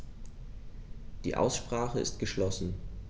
Die Aussprache ist geschlossen.